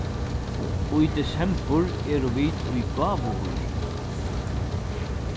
í desembur eru vit í gávuhýri